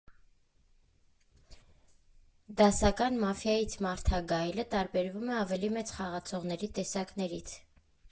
Դասական մաֆիայից «մարդագայլը» տարբերվում է ավելի մեծ խաղացողների տեսակներից։